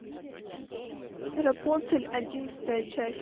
рапунцель одиннадцатая часть